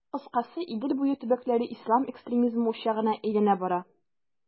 Кыскасы, Идел буе төбәкләре ислам экстремизмы учагына әйләнә бара.